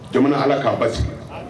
Jamana ala k'a basi sigi